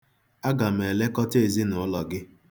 Aga m elekọta ezinụlọ gị.